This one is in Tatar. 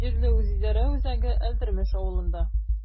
Җирле үзидарә үзәге Әлдермеш авылында.